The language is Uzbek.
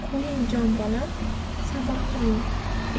qo'ying jon bolam sabr qiling